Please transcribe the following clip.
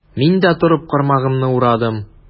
Мин дә, торып, кармагымны урадым.